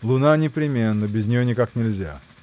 – Луна непременно: без нее никак нельзя!